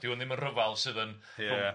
Di hwn ddim yn rhyfel sydd yn... Ia.